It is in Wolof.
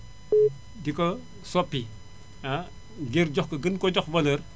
di ko soppi ah ngir jox ko gën ko jox valeur